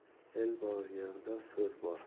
el bor yerda so'z bor